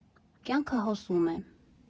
Կյանքը հոսում է։